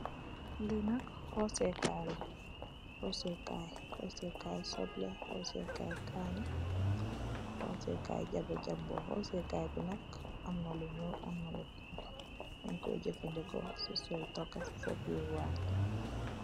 Lii nak horseh kaii la, horseh kaii, horseh kaii sobleh, horseh kaii kaani, horseh kaii jabah jamboh, horseh kaii bii nak amna lu njull, amna lu honhu, njung koi jeufandehkor cii soii tohgah cii sa birr waangh.